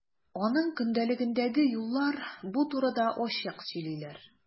Аның көндәлегендәге юллар бу турыда ачык сөйлиләр.